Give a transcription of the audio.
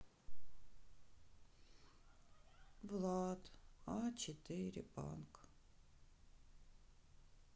влад а четыре панк